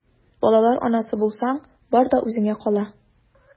Балалар анасы булсаң, бар да үзеңә кала...